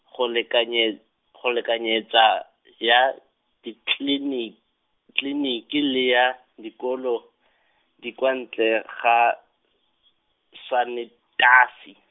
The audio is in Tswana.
go lekanye, go lekanyetsa, ya, ditlini-, tliliniki le ya, dikolo, di kwa ntle ga, sanetasi.